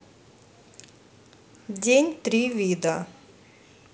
день три вида